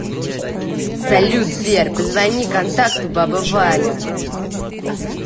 салют сбер позвони контакту баба валя